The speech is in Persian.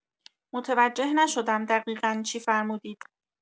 متوجه نشدم دقیقا چی فرمودید